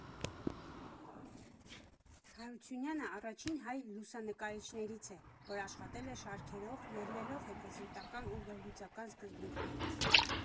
Հարությունյանը առաջին հայ լուսանկարիչներից է, որ աշխատել է շարքերով, ելնելով հետազոտական ու վերլուծական սկզբունքներից։